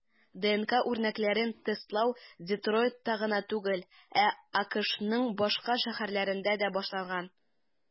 ДНК үрнәкләрен тестлау Детройтта гына түгел, ә АКШның башка шәһәрләрендә дә башланган.